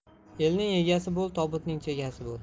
elning egasi bo'l tobutning chegasi bo'l